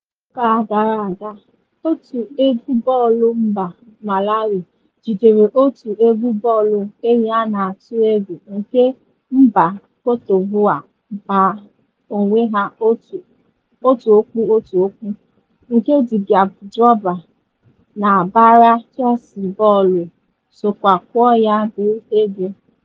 N'izuụka a gara aga, otu egwu bọọlụ mba Malawi jidere otu egwu bọọlụ Enyi a na-atụ egwu nke mba Côte D'Ivoire gba onwé ha otu ọkpụ otu ọkpụ(1:1) nke Didier Drogba na-agbara Chelsea bọọlụ sokwa kụọ ya bụ egwu.